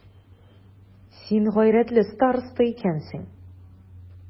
Син гайрәтле староста икәнсең.